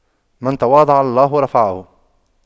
من تواضع لله رفعه